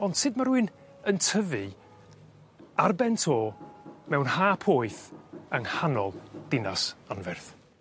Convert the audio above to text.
On' sud ma' rwun yn tyfu ar ben to mewn ha poeth yng nghanol dinas anferth?